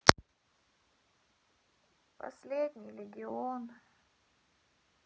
последний легион